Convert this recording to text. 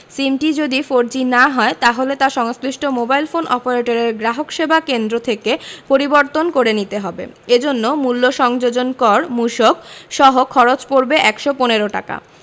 সিমটি যদি ফোরজি না হয় তাহলে তা সংশ্লিষ্ট মোবাইল ফোন অপারেটরের গ্রাহকসেবা কেন্দ্র থেকে পরিবর্তন করে নিতে হবে এ জন্য মূল্য সংযোজন কর মূসক সহ খরচ পড়বে ১১৫ টাকা